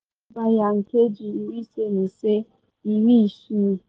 “Anyị kwuru maka ya ịgba ya nkeji 55, 60.